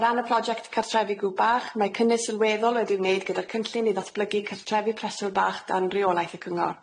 O ran y project cartrefi gw bach mae cynnydd sylweddol wedi'i wneud gyda'r cynllun i ddatblygu cartrefi preswyl bach gan reolaeth y Cyngor.